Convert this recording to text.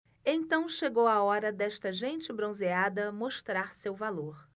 então chegou a hora desta gente bronzeada mostrar seu valor